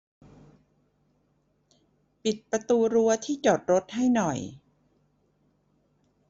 ปิดประตูรั้วที่จอดรถให้หน่อย